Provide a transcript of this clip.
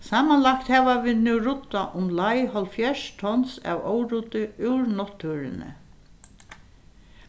samanlagt hava vit nú ruddað umleið hálvfjerðs tons av óruddi úr náttúruni